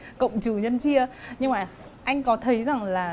cộng trừ nhân chia nhưng mà anh có thấy rằng là